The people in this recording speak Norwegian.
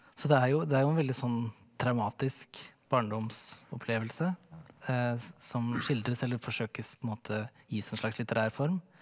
så det er jo det er jo en veldig sånn traumatisk barndomsopplevelse som skildres eller forsøkes på en måte gis en slags litterær form.